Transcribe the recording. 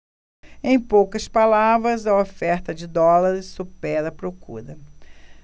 em poucas palavras a oferta de dólares supera a procura